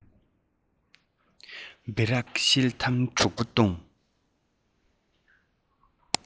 སྦི རག ཤེལ དམ དྲུག པོ བཏུངས